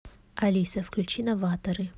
алиса включи новаторы